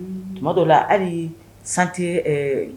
Tuma dɔw la hali sante